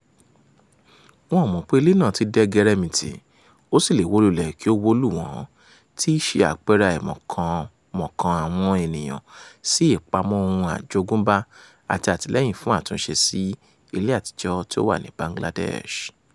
Wọ́n ò mọ̀ pé ilé náà ti di ẹgẹrẹmìtì, ó sì lè wò lulẹ̀ kí ó wó lù wọ́n—tí í ṣe àpẹẹrẹ àìmọ̀kanmọ̀kàn àwọn ènìyàn sí ìpamọ́ ohun àjogúnbá àti àtìlẹ́yìn fún àtúnṣe sí ilé àtijọ́ tí ó wà ní Bangladesh.